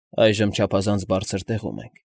Այժմ չափազանց բարձր տեղում ենք։